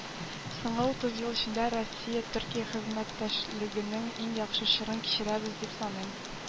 Соңгы утыз ел эчендә Россия-Төркия хезмәттәшлегенең иң яхшы чорын кичерәбез дип саныйм.